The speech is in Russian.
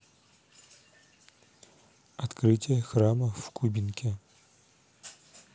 открытие храма в кубинке